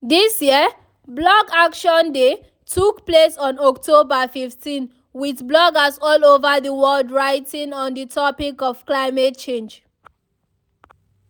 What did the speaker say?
This year Blog Action Day took place on October 15, with bloggers all over the world writing on the topic of climate change.